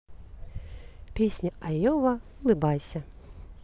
песня iowa улыбайся